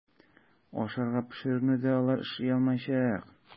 Ашарга пешерүне дә алар эшли алмаячак.